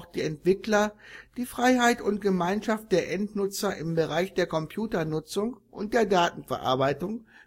— die Freiheit und Gemeinschaft der Endnutzer schätzen und respektieren (im Bereich der Computer-Nutzung und der Datenverarbeitung